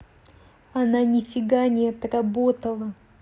она нифига не отработала